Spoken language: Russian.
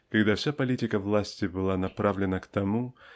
когда вся политика власти была направлена к тому